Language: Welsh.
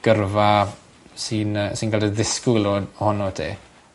gyrfa sy'n yy sy'n ga'l dy ddisgwyl o- onot ti.